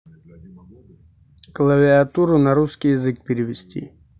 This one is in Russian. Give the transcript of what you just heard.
клавиатуру на русский язык перевести